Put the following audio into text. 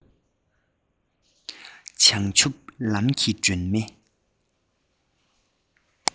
བྱང ཆུབ ལམ གྱི སྒྲོན མེ